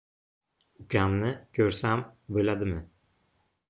ukamni ko'rsam bo'ladimi